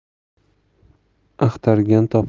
axtargan topar